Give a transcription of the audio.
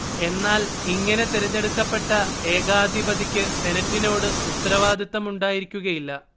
എന്നാൽ ഇങ്ങനെ തെരഞ്ഞെടുക്കപ്പെട്ട ഏകാധിപതിക്ക് സെനറ്റിനോട് ഉത്തരവാദിത്തം ഉണ്ടായിരിക്കുകയില്ല